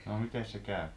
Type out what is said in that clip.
no mitenkäs se käy